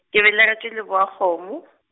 ke belegetšwe Lebowakgomo.